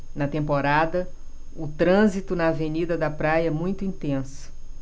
na temporada o trânsito na avenida da praia é muito intenso